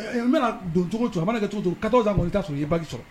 N bɛna doncogo mana kɛ cogo to ka ka mu ta sunjata u ye baki sɔrɔ